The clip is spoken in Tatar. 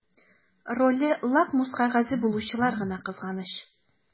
Роле лакмус кәгазе булучылар гына кызганыч.